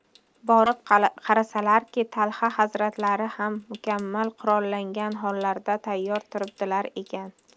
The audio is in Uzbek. borib qarasalarki talxa hazratlari ham mukammal qurollangan hollarida tayyor turibdilar ekan